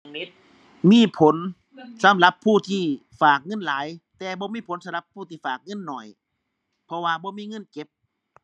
มีผลสำหรับผู้ที่ฝากเงินหลาย แต่บ่มีผลสำหรับผู้ที่ฝากเงินน้อย เพราะว่าบ่มีเงินเก็บ